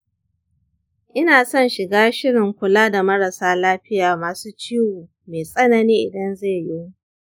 ina son shiga shirin kula da marasa lafiya masu ciwo mai tsanani idan zai yiwu.